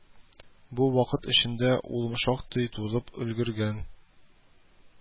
Бу вакыт эчендә ул шактый тузып өлгергән